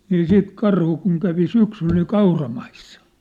niin siitä karhu kun kävi syksyllä niin kauramaissa